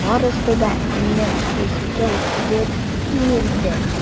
Барысы да минем өскә килеп иелде.